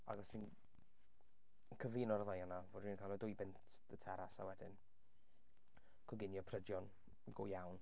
Ac os dwi'n cyfuno'r ddau yna fod dwi'n cael y dwy bunt 'da Teras, a wedyn coginio prydion go iawn.